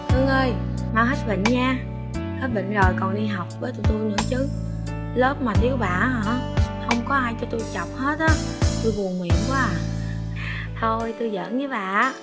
cưng ơi mau hết bệnh nha hết bệnh rồi còn đi học với tụi tôi nữa chứ lớp mà thiếu bà á hả không có ai cho tôi chọc hết á tôi buồn miệng quá à thôi tôi giỡn với bà á